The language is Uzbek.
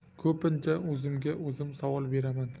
ko'pincha o'zimga o'zim savol beraman